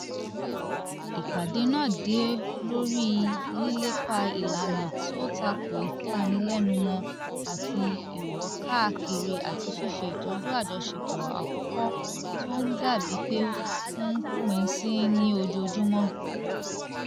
Ìpàdé náà dá lórí lílépa ìlànà tí ó tako ìpanilẹ́numọ́ àti ìwò káàkiri, àti ṣíṣe ìtọ́jú àjọṣepọ̀ àkókò tí ó ń dà bí pé ó ń pín sí í ní ojoojúmọ́.